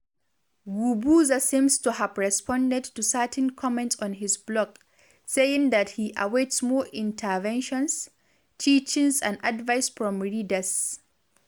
Guebuza seems to have responded to certain comments on his blog, saying that he awaits more “interventions, teachings and advice” from readers.